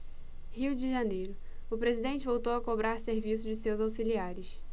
rio de janeiro o presidente voltou a cobrar serviço de seus auxiliares